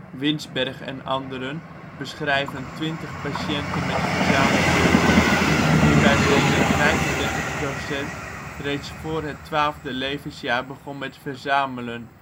Winsberg et al. beschrijven 20 patiënten met verzamelzucht. Hierbij bleek dat 35 % (7 van de 20) reeds voor het 12e levensjaar begon met verzamelen